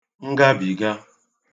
ngabiga